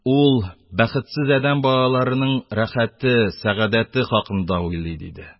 - ул бәхетсез адәм балаларының рәхәте, сәгадәте хакында уйлый, - диде.